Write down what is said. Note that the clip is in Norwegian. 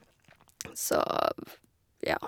Så, f ja.